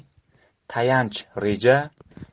tayanch reja